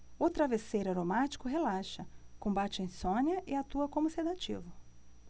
o travesseiro aromático relaxa combate a insônia e atua como sedativo